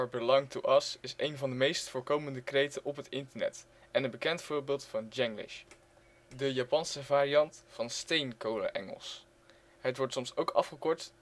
belong to us is een van de meest voorkomende kreten op het Internet en een bekend voorbeeld van Jenglish, de Japanse variant van steenkolenengels. Het wordt soms ook afgekort